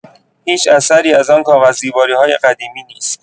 هیچ اثری از آن کاغذدیواری‌های قدیمی نیست.